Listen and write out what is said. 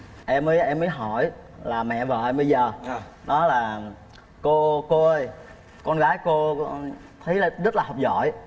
em mới em mới hỏi là mẹ vợ em bây giờ đó là cô cô ơi con gái cô thấy là rất là học giỏi